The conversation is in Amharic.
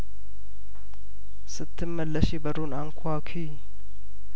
ስትመለሺ በሩን አንኳኲ